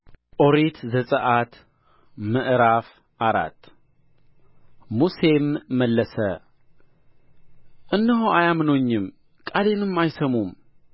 ኦሪት ዘጽአት ምዕራፍ አራት ሙሴም መለሰ እነሆ አያምኑኝም ቃሌንም አይሰሙም